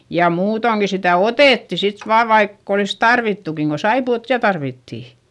ja muutoinkin sitä otettiin sitten vain vaikka olisi tarvittukin kun saippuaa ja tarvittiin